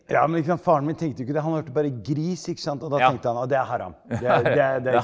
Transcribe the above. ja men ikke sant faren min tenkte jo ikke det han hørte bare gris ikke sant og da tenkte han at det er haram det er der .